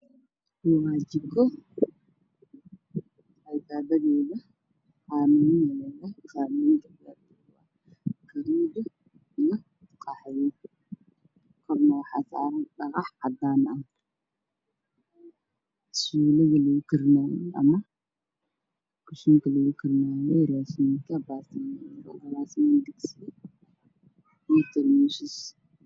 waa jigo al baabadeyda caanimadeda guduud iyo qaxwi gorna waxa saaaran wax cadaan ah suulida lagu karinaye ama gushiinka lagu karinaye lakiin iyo tur meshihish